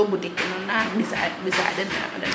so boutiques ke nuna nuna mbisa deno yo